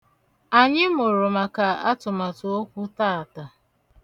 Anyị mụrụ maka atụmatụokwu taata.